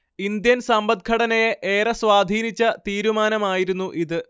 Indian സമ്പദ്ഘടനയെ ഏറെ സ്വാധീനിച്ച തീരുമാനമായിരുന്നു ഇത്